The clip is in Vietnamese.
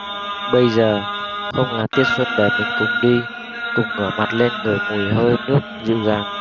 bây giờ không là tiết xuân để mình cùng đi cùng ngửa mặt lên ngửi mùi hơi nước dịu dàng